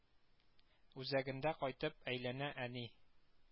Үзәгендә кайтып әйләнә әни